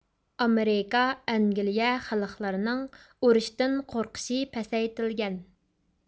ئامېرىكا ئەنگلىيە خەلقلىرىنىڭ ئۇرۇشتىن قورقۇشى پەسەيتىلگەن